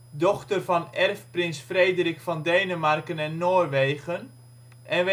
dochter van erfprins Frederik van Denemarken en Noorwegen, en